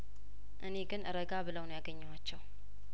እኔ ግን እረጋ ብለው ነው ያገኘኋቸው